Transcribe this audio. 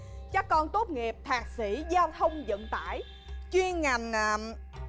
chắc con tốt nghiệp thạc sĩ giao thông dận tải chuyên ngành a